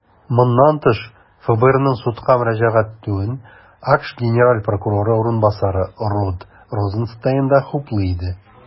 Моннан тыш, ФБРның судка мөрәҗәгать итүен АКШ генераль прокуроры урынбасары Род Розенстейн да хуплый иде.